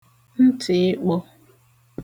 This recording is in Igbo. ntì ịkpō